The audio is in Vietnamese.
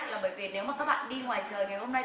bởi vì nếu mà các bạn đi ngoài trời ngày hôm nay